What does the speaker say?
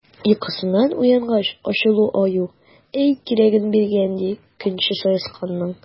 Йокысыннан уянгач, ачулы Аю әй кирәген биргән, ди, көнче Саесканның!